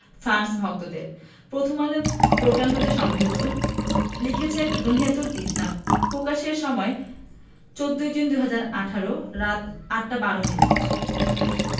France ভক্তদের Prothom Alo portal হতে সংগৃহীত লিখেছেন নুহিয়াতুল ইসলাম প্রকাশের সময় ১৪জুন ২০১৮ রাত ৮টা ১২ মিনিট